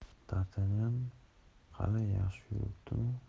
dartanyan qalay yaxshi yuribdimi